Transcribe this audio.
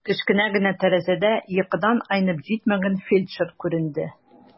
Кечкенә генә тәрәзәдә йокыдан айнып җитмәгән фельдшер күренде.